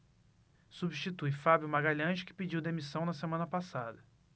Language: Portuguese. substitui fábio magalhães que pediu demissão na semana passada